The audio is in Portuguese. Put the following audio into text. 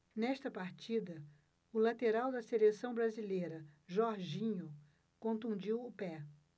nesta partida o lateral da seleção brasileira jorginho contundiu o pé